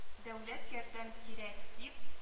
Дәүләт ярдәм кирәк - дип